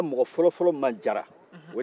a fɔra mɔgɔ fɔlɔ-fɔlɔ min ma jaara